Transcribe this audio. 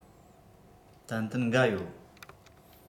ཏན ཏན འགའ ཡོད